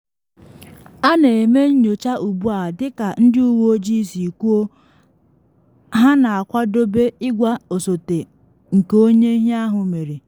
A na eme nnyocha ugbu a dị ka ndị uwe ojii si kwuo ha na akwadobe ịgwa osote nke onye ihe ahụ mere.